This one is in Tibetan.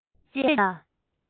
མཇུག འབྲས བཅས ལ